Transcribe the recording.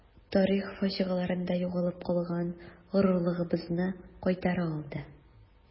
Тарих фаҗигаларында югалып калган горурлыгыбызны кайтара алды.